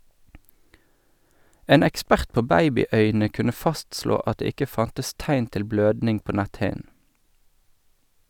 En ekspert på babyøyne kunne fastslå at det ikke fantes tegn til blødning på netthinnen.